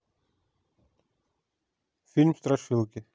фильм страшилки